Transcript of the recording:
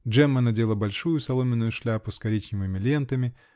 Джемма надела большую соломенную шляпу с коричневыми лентами